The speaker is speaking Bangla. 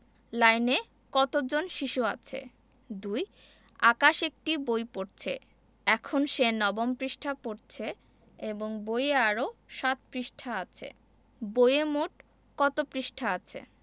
লাইনে কত জন শিশু আছে ২ আকাশ একটি বই পড়ছে এখন সে নবম পৃষ্ঠা পড়ছে এবং বইয়ে আরও ৭ পৃষ্ঠা আছে বইয়ে মোট কত পৃষ্ঠা আছে